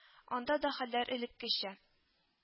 Анд да хәлләр элеккечә